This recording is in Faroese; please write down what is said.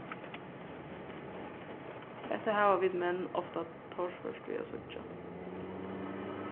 hetta hava vit menn ofta torført við at síggja